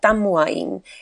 damwain